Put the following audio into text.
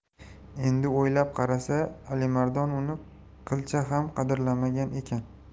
endi o'ylab qarasa alimardon uni qilcha ham qadrlamagan ekan